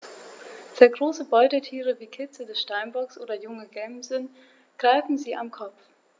Sehr große Beutetiere wie Kitze des Steinbocks oder junge Gämsen greifen sie am Kopf.